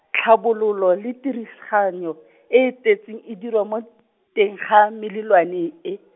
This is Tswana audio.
tlhabololo le tirisganyo e e tletseng e diriwa mo, teng ga melelwane e.